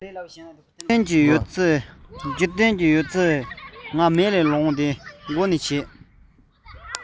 འཇིག རྟེན གྱི ཡོད ཚད ང མལ ལས ལངས ཏེ སྒོ ནས ཐོན